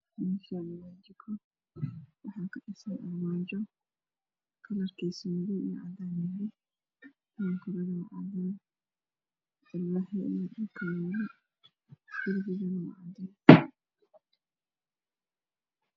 Meeshaan waa jiko waxaa kadhisan armaajo kalarkeedu uu yahay Madow iyo cadaan. Dhulkuna waa cadaan alwaaxyo ayaa yaalo, darbiguna Waa cadaan.